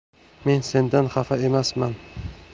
men sendan xafa emasman